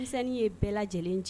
Misɛnnin ye bɛɛ lajɛlen cɛ